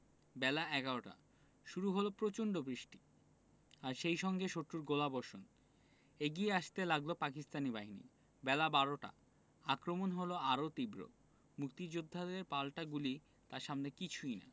বেলা এগারোটা শুরু হলো প্রচণ্ড বৃষ্টি আর সেই সঙ্গে শত্রুর গোলাবর্ষণ এগিয়ে আসতে লাগল পাকিস্তানি বাহিনী বেলা বারোটা আক্রমণ হলো আরও তীব্র মুক্তিযোদ্ধাদের পাল্টা গুলি তার সামনে কিছুই না